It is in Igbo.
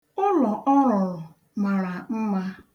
Ụlọ ọ rụrụ mara mma.